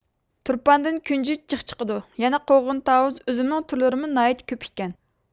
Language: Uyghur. تۇرپاندىن كۈنجۈت جىق چىقىدۇ يەنە قوغۇن تاۋۇز ئۈزۈمنىڭ تۈرلىرىمۇ ناھايىتى كۆپ ئىكەن